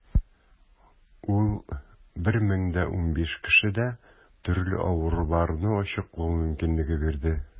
Ул 1015 кешедә төрле авыруларны ачыклау мөмкинлеге бирде.